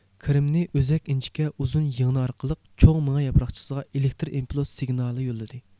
كرېمنىي ئۆزەك ئىنچىكە ئۇزۇن يىڭنە ئارقىلىق چوڭ مېڭە ياپراقچىسىغا ئېلېكتر ئىمپولىس سىگنالى يوللىدى